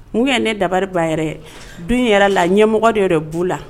Mun ye ne dabaliri ba yɛrɛ ye dun yɛrɛ la ɲɛmɔgɔ de yɛrɛ b'u la